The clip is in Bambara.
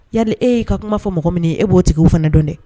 Yali e y'i ka kuma fɔ mɔgɔ min e b'o tigi fana dɔn dɛ